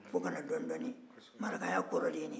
ko kana dɔɔnin-dɔɔnin